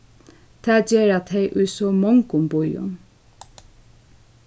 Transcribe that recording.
tað gera tey í so mongum býum